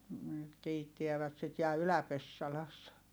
nyt kiittävät sitten ja Ylä-Pessalassa